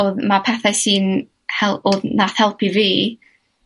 Odd ma' pethe sy'n hel- odd nath helpu fi,